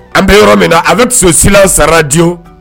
An bɛ yɔrɔ min na a bɛ misisilan saradiwu